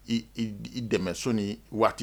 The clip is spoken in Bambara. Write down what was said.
I dɛmɛso ni waati